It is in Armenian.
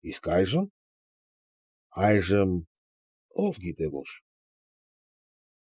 Իսկ ա՞յժմ… այժմ, ով գիտե, ո՞ւր։